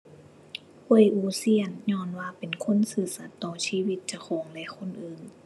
เว่ยอู๋เซี่ยน ญ้อนว่าเป็นคนซื่อสัตย์ต่อชีวิตเจ้าของและคนอื่น